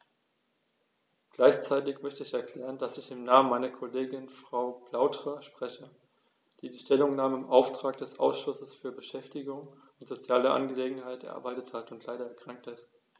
Gleichzeitig möchte ich erklären, dass ich im Namen meiner Kollegin Frau Flautre spreche, die die Stellungnahme im Auftrag des Ausschusses für Beschäftigung und soziale Angelegenheiten erarbeitet hat und leider erkrankt ist.